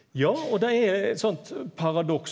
ja og det er eit sånt paradoks.